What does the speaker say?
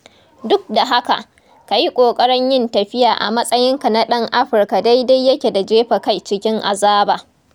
Duk da haka, ka yi ƙoƙarin yin tafiya a matsayinka na ɗan Afirka daidai yake da jefa kai cikin azaba.